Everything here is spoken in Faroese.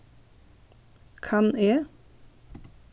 kann eg